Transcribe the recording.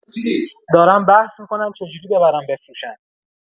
دارن بحث می‌کنن چه جوری ببرن بفروشن